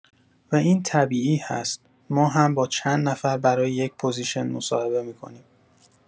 و این طبیعی هست، ما هم با چند نفر برای یک پوزیشن مصاحبه می‌کنیم.